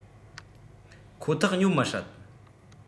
ཁོ ཐག ཉོ མི སྲིད